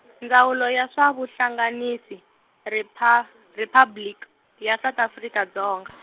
Ndzawulo ya swa Vuhlanganisi Ripha- Riphabliki ya South Afrika Dzonga.